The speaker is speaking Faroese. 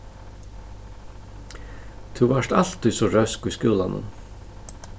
tú vart altíð so røsk í skúlanum